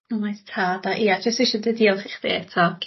Yym oes tâd a ie jyst esio dy diolch i chdi eto...